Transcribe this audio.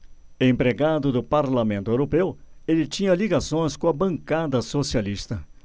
empregado do parlamento europeu ele tinha ligações com a bancada socialista